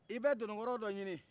i bɛ dundunkɔrɔ dɔ ɲini